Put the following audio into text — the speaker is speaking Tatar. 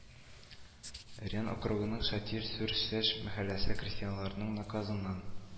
Ренн округының шатильон-сюр-сеш мәхәлләсе крестьяннарының наказыннан